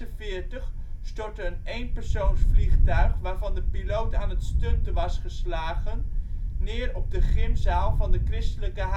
1946 stortte een eenpersoonsvliegtuig waarvan de piloot aan het stunten was geslagen neer op de gymzaal van de Christelijke